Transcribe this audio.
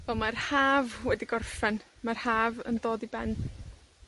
On' mae'r Haf wedi gorffen. Ma'r Haf yn dod i ben.